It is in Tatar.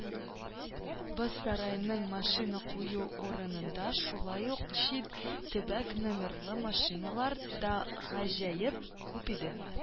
Боз сараеның машина кую урынында шулай ук чит төбәк номерлы машиналар да гаҗәеп күп иде.